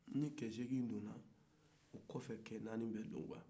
ni cɛ seegin donna o kɔfɛ cɛ naani bɛ don